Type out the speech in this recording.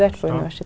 Harstad.